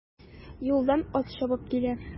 Юлдан ат чабып килә.